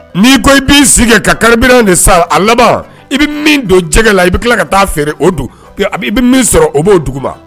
N'i ko i b' sigi ka kari de sara a laban i bɛ min don jɛgɛ la i bɛ tila ka taa feere o don i bɛ min sɔrɔ o b'o dugu ma